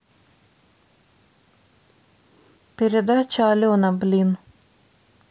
передача алена блин